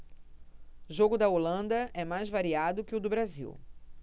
jogo da holanda é mais variado que o do brasil